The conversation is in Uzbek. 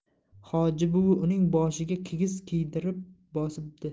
hoji buvi uning boshiga kigiz kuydirib bosibdi